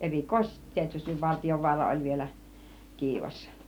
erikoisesti tietysti Vartiovaara oli vielä kiivas